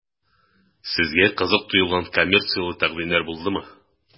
Сезгә кызык тоелган коммерцияле тәкъдимнәр булдымы?